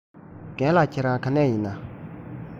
རྒན ལགས ཁྱེད རང ག ནས ཡིན ན